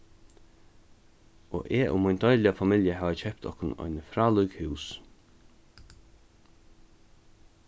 og eg og mín deiliga familja hava keypt okkum eini frálík hús